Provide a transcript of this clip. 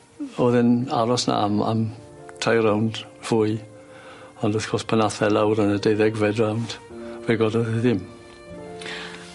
o'dd e'n aros 'na am am tair rownd fwy ond wrth gwrs pan ath e lawr yn y deuddegfed rownd fe gododd e ddim.